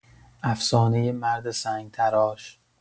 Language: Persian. افسانۀ مرد سنگ‌تراش